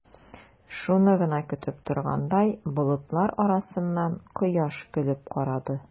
Шуны гына көтеп торгандай, болытлар арасыннан кояш көлеп карады.